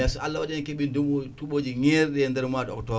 so Allah waɗi en keeɓi dow tooɓoji ngerɗi e nder mois de octobre